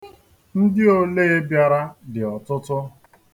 Ndị olee bịara dị ọtụtụ.